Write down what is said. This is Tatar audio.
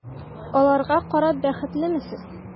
Аларга карап бәхетлеме сез?